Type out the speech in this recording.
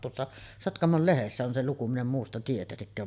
tuossa Sotkamon Lehdessä on se luku minä en muusta tietäisikään